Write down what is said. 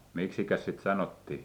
miksikäs sitä sanottiin